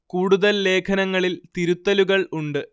കൂടുതൽ ലേഖനങ്ങളിൽ തിരുത്തലുകൾ ഉണ്ട്